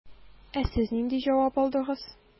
Ә сез нинди җавап алдыгыз?